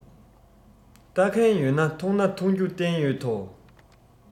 ལྟ མཁན ཡོད ན མཐོང ན མཐོང རྒྱུ བསྟན ཡོད དོ